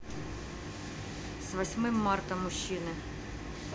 с восьмым марта мужчины